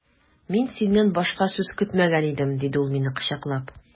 Мин синнән башка сүз көтмәгән идем, диде ул мине кочаклап.